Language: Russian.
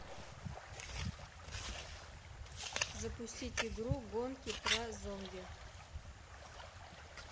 запустить игру гонки про зомби